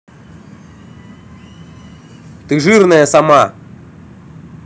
ты жирная сама